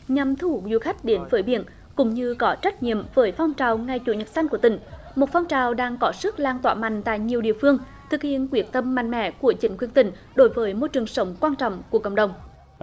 nhằm thu hút du khách đến với biển cũng như có trách nhiệm với phong trào ngày chủ nhật xanh của tỉnh một phong trào đang có sức lan tỏa mạnh tại nhiều địa phương thực hiện quyết tâm mạnh mẽ của chính quyền tỉnh đối với môi trường sống quan trọng của cộng đồng